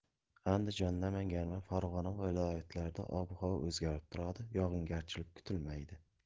andijon namangan va farg'ona viloyatlarida havo o'zgarib turadi yog'ingarchilik kutilmaydi